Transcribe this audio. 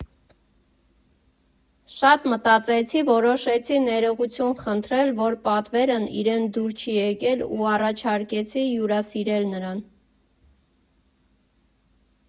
Շատ մտածեցի, որոշեցի ներողություն խնդրել, որ պատվերն իրեն դուր չի եկել ու առաջարկեցի հյուրասիրել նրան։